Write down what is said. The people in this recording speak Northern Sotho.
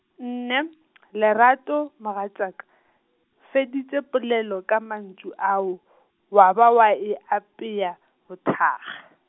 nne , Lerato mogatšaka , feditše polelo ka mantšu ao , wa ba wa e apea, bothakga.